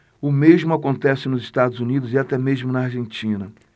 o mesmo acontece nos estados unidos e até mesmo na argentina